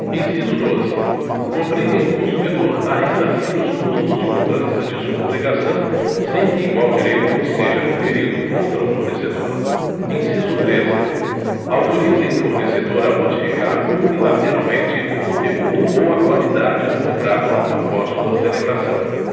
inciso doze obriguem o consumidor a ressarcir os custos de cobrança de sua obrigação sem que igual direito lhe seja conferido contra o fornecedor inciso trêze autorizem o fornecedor a modificar unilateralmente o conteúdo ou a qualidade do contrato após sua celebração